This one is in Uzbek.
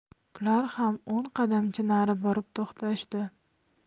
ular ham o'n qadamcha nari borib to'xtashdi